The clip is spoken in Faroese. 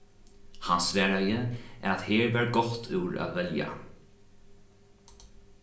hann svaraði at her var gott úr at velja